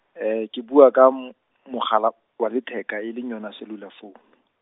ke bua ka mo-, mogala, wa letheka e le yona cellular founu.